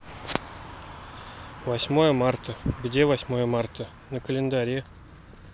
восьмое марта где восьмое марта на календаре